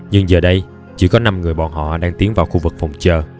nhưng giờ đây chỉ có người bọn họ đang tiến vào vào khu vực phòng chờ